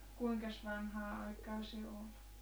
kuinkas vanhaa aikaa se oli